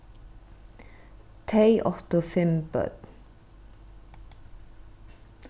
tey áttu fimm børn